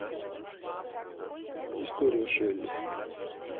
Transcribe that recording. история шелли